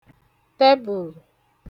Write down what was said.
tẹbùl